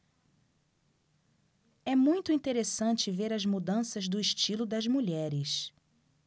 é muito interessante ver as mudanças do estilo das mulheres